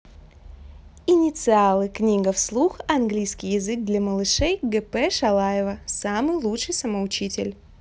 инициалы книга вслух английский язык для малышей гп шалаева самый лучший самоучитель